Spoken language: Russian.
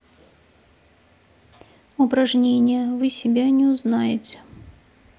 упражнения вы себя не узнаете